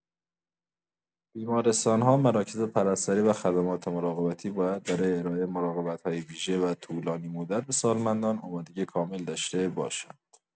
بیمارستان‌ها، مراکز پرستاری و خدمات مراقبتی باید برای ارائه مراقبت‌های ویژه و طولانی‌مدت به سالمندان آمادگی کامل داشته باشند.